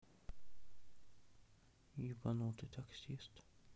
ебанутый таксист